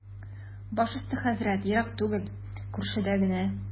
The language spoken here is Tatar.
Баш өсте, хәзрәт, ерак түгел, күршедә генә.